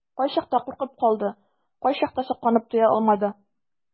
Кайчакта куркып калды, кайчакта сокланып туя алмады.